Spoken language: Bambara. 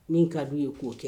Min ka d'u ye k'o kɛ